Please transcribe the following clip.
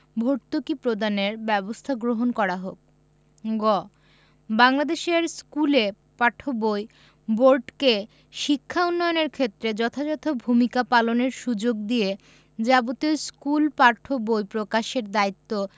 ভর্তুকি প্রদানের ব্যবস্থা গ্রহণ করা হোক গ বাংলাদেশের স্কুলে পাঠ্য বই বোর্ডকে শিক্ষা উন্নয়নের ক্ষেত্রে যথাযথ ভূমিকা পালনের সুযোগ দিয়ে যাবতীয় স্কুল পাঠ্য বই প্রকাশের দায়িত্ব